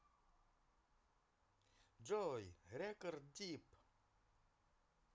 джой рекорд deep